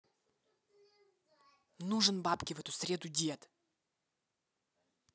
нужен бабки в эту среду дед